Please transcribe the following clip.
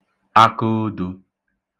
akoodō